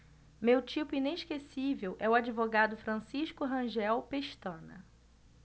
meu tipo inesquecível é o advogado francisco rangel pestana